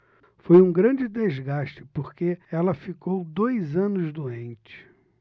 foi um grande desgaste porque ela ficou dois anos doente